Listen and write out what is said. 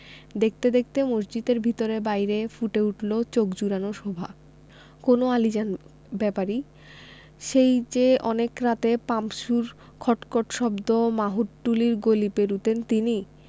দেখতে দেখতে মসজিদের ভেতরে বাইরে ফুটে উঠলো চোখ জুড়োনো শোভা কোন আলীজান ব্যাপারী সেই যে অনেক রাতে পাম্পসুর খট খট শব্দ মাহুতটুলির গলি পেরুতেন তিনি